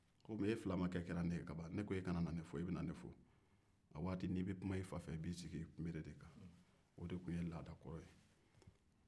komi e filamakɛ kɛra ne ye kaban ne ko e kana na ne fo e bɛ na ne fo a waati n'i bɛ kuma i fa fɛ i b'i sigi i kunbere de kan o de tun ye laada kɔrɔ ye